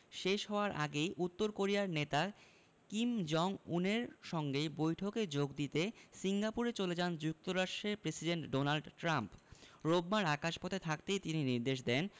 শেষ হওয়ার আগেই উত্তর কোরিয়ার নেতা কিম জং উনের সঙ্গে বৈঠকে যোগ দিতে সিঙ্গাপুরে চলে যান যুক্তরাষ্ট্রের প্রেসিডেন্ট ডোনাল্ড ট্রাম্প রোববার আকাশপথে থাকতেই তিনি নির্দেশ দেন